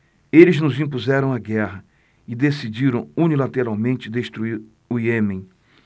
eles nos impuseram a guerra e decidiram unilateralmente destruir o iêmen